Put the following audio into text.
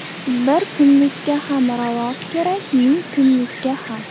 bir kunlikka ham ravot kerak ming kunlikka ham